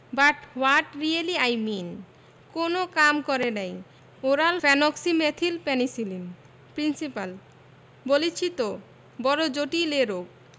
but what really I mean কোন কাম করে নাই ওরাল ফেনোক্সিমেথিল পেনিসিলিন প্রিন্সিপাল বলেছি তো বড় জটিল এ রোগ